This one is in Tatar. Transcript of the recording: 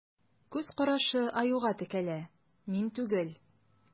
Күз карашы Аюга текәлә: мин түгел.